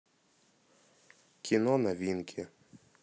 кино новинки